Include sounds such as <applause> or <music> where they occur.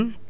<hesitation> <hesitation>